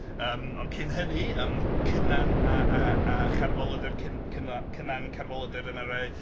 Ymm ond cyn hynny yym Cynan a... a... a Chadwaladr Cyn- Cyna- Cynan Cadwaladr